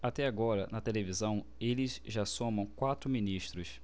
até agora na televisão eles já somam quatro ministros